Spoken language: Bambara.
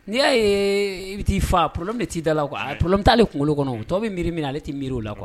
N'i y'a ye i bɛ taa'i faa p min t'i da la p tɔ bɛ t'ale kunkolo kɔnɔ u to bɛ miiri min na ale tɛ miiriw la kuwa